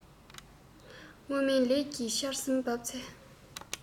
སྔོན སྨོན ལས ཀྱི ཆར ཟིམ བབས ཚེ